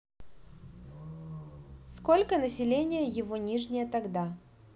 сколько населения его нижняя тогда